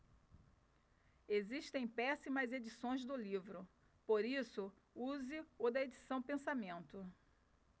existem péssimas edições do livro por isso use o da edição pensamento